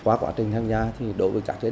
qua quá trình tham gia thì đối với các